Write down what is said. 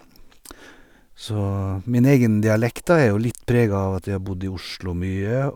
Så min egen dialekt, da, er jo litt prega av at jeg har bodd i Oslo mye.